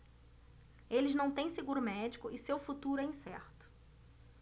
eles não têm seguro médico e seu futuro é incerto